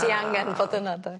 ...ti angen fod yna ynde?